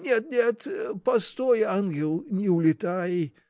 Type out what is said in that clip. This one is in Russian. — Нет, нет, постой, ангел, не улетай!